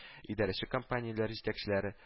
Идарәче компанияләр җитәкчеләре